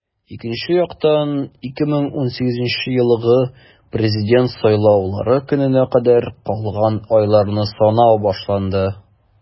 Икенче яктан - 2018 елгы Президент сайлаулары көненә кадәр калган айларны санау башланды.